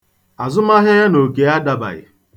Azụmahịa ya na Okey adabaghị.